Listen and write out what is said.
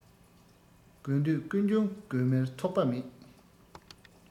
དགོས འདོད ཀུན འབྱུང དགོས མིར ཐོགས པ མེད